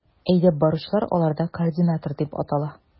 Әйдәп баручылар аларда координатор дип атала.